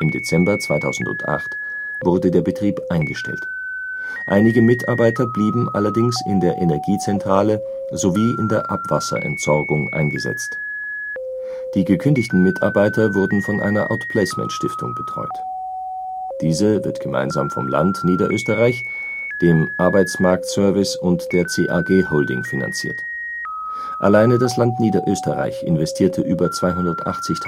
Dezember 2008 wurde der Betrieb eingestellt, einige Mitarbeiter blieben allerdings in der Energiezentrale sowie in der Abwasserentsorgung eingesetzt. Die gekündigten Mitarbeiter werden von einer Outplacementstiftung betreut. Diese wird gemeinsam vom Land Niederösterreich, dem Arbeitsmarktservice und der CAG-Holding finanziert, alleine das Land Niederösterreich investierte über 280.000